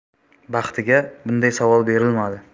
baxtiga bunday savol berilmadi